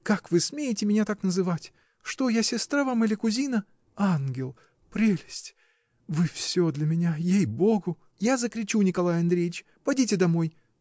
— Как вы смеете меня так называть: что я — сестра вам или кузина! — Ангел! прелесть. вы всё для меня! Ей-богу. — Я закричу, Николай Андреич. Подите домой!